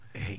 eeyi